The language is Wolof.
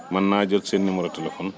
man naa jël seen numéro téléphone